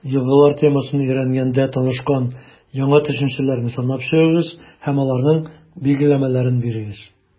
«елгалар» темасын өйрәнгәндә танышкан яңа төшенчәләрне санап чыгыгыз һәм аларның билгеләмәләрен бирегез.